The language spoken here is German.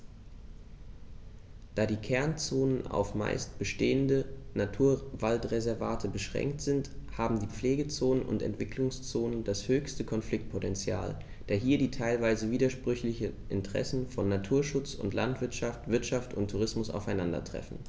Da die Kernzonen auf – zumeist bestehende – Naturwaldreservate beschränkt sind, haben die Pflegezonen und Entwicklungszonen das höchste Konfliktpotential, da hier die teilweise widersprüchlichen Interessen von Naturschutz und Landwirtschaft, Wirtschaft und Tourismus aufeinandertreffen.